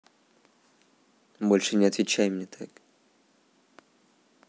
больше не отвечай мне так